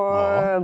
ja.